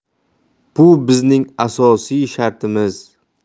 bu bizning asosiy shartimiz